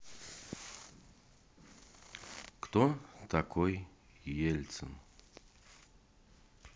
кто такой ельцин